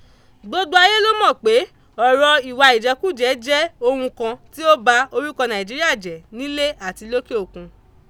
Gbogbo ayé ló mọ̀ pé ọ̀rọ̀ ìwà ìjẹkújẹ jẹ́ ohun kan tí ó ba orúkọ Nàìjíríà jẹ nílé àti lókè òkun.